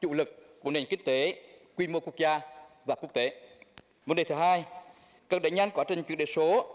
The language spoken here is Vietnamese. chủ lực của nền kinh tế quy mô quốc gia và quốc tế vấn đề thứ hai ầna đẩy nhanh quá trình chuyển đổi số